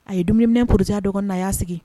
A ye dumuniminɛ puruti a dɔgɔnin na a y'a sigi